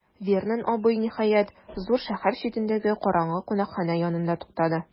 Вернон абый, ниһаять, зур шәһәр читендәге караңгы кунакханә янында туктады.